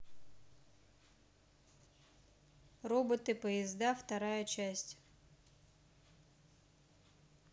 роботы поезда вторая часть